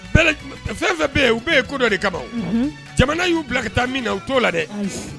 Fɛn fɛn bɛ yen u bɛɛ ye ko dɔ de kababaw jamana y'u bila ka taa min na u t'o la dɛ